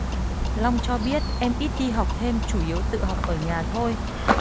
long cho biết em ít đi học thêm chủ yếu tự học ở nhà thôi